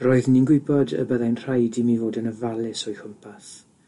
Roeddwn i'n gwybod y byddai'n rhaid i mi fod yn ofalus o'i chwmpas.